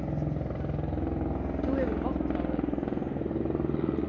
tú hevur vápnaloyvi